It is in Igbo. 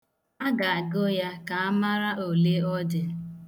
A ga-agụ ka a mara ole ọ dị.